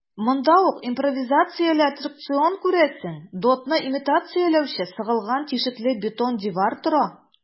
Монда ук импровизацияле аттракцион - күрәсең, дотны имитацияләүче сыгылган тишекле бетон дивар тора.